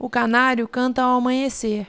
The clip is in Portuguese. o canário canta ao amanhecer